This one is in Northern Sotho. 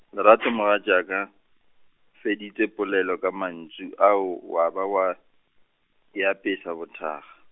Lerato mogatšaka, feditše polelo ka mantšu ao wa ba wa, e apeša bothakga.